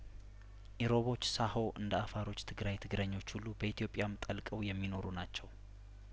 ኢሮቦች ሳሆ እንደአፋሮች ትግራይ ትግረኞች ሁሉ በኢትዮጵያም ጠልቀው የሚኖሩ ናቸው